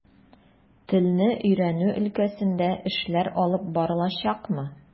Телне өйрәнү өлкәсендә эшләр алып барылачакмы?